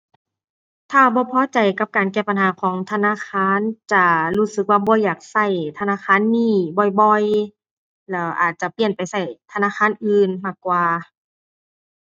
ถ้าบ่พอใจกับการแก้ปัญหาของธนาคาร จะรู้สึกว่าบ่อยากใช้ธนาคารนี้บ่อยบ่อย แล้วอาจจะเปลี่ยนไปใช้ธนาคารอื่นมากกว่า